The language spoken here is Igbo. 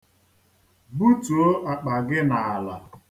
̣ Butuo akpa gị n'ala